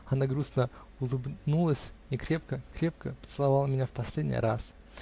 она грустно улыбнулась и крепко, крепко поцеловала меня в последний раз.